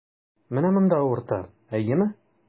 Менә монда авырта, әйеме?